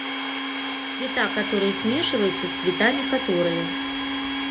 цвета которые смешиваются с цветами которые